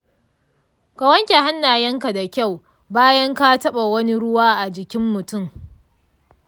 ka wanke hannayenka da kyau bayan ka taba wani ruwa a jikin mutum.